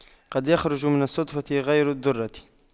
قد يخرج من الصدفة غير الدُّرَّة